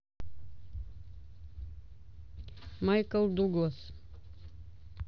майкл дуглас